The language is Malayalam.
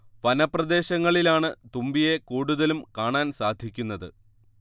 വനപ്രദേശങ്ങളിലാണ് തുമ്പിയെ കൂടുതലും കാണാൻ സാധിക്കുന്നത്